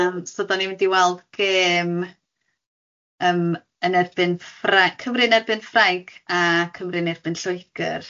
Yym so dan ni'n mynd i weld gêm yym yn erbyn Ffra- Cymru yn erbyn Ffrainc a Cymru yn erbyn Lloegr.